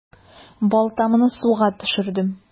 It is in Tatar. Балтамны суга төшердем.